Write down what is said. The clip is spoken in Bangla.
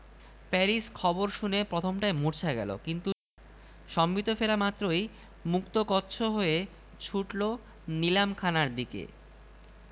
পক্ষান্তরে জ্ঞানচর্চার ফল সঞ্চিত থাকে পুস্তকরাজিতে এবং সে ফল ধনীদের হাতে গায়ে পড়ে তুলে ধরলেও তারা তার ব্যবহার করতে জানে না বই পড়তে পারে না